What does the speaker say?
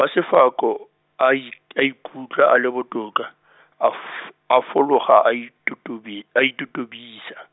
ba Sefako, a i- a ikutlwa a le botoka, a f- a fologa a itotobi- a itotobisa.